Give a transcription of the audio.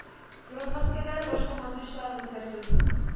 Фронт гаскәрләре баш командующийлары үзгәртү